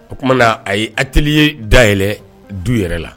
O tumana na a ye atelier ye dayɛlɛ du yɛrɛ la